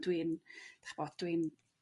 Dwi'n ch'bo' dwi'n